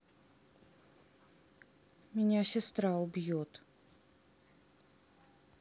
меня сестра убьет